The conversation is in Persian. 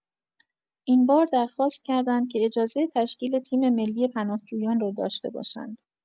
این بار درخواست کردند که اجازه تشکیل تیم‌ملی پناهجویان را داشته باشند.